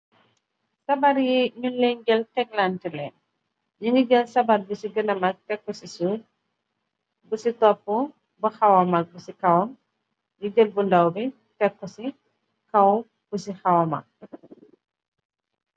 Sabar yi ñuñ leñ jël teklante leen. nu ngi jël sabar bi ci gëna mag tekku ci suuf bu ci topp bu hawa mag bu ci kawam nu jël bu ndaw bi tekku ci kaw bu ci hawa mag.